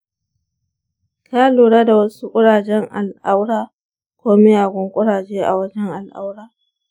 ka lura da wasu ƙurajen al’aura ko miyagun ƙuraje a wajen al’aura?